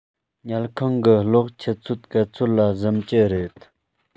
ཉལ ཁང གི གློག ཆུ ཚོད ག ཚོད ལ གཟིམ གྱི རེད